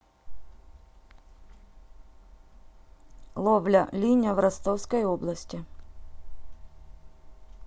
ловля линя в ростовской области